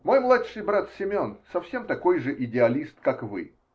*** Мой младший брат Семен совсем такой же идеалист, как вы.